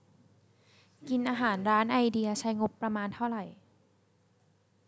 กินอาหารร้านไอเดียใช้งบประมาณเท่าไหร่